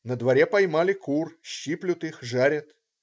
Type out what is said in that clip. На дворе поймали кур, щиплют их, жарят.